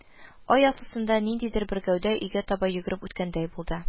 Ай яктысында ниндидер бер гәүдә өйгә таба йөгереп үткәндәй булды